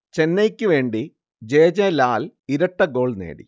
ചെന്നൈയ്ക്കു വേണ്ടി ജെ. ജെ ലാൽ ഇരട്ടഗോൾ നേടി